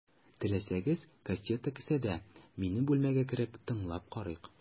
Теләсәгез, кассета кесәдә, минем бүлмәгә кереп, тыңлап карыйк.